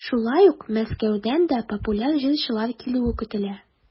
Шулай ук Мәскәүдән дә популяр җырчылар килүе көтелә.